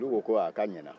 olu ko a k'a ɲɛna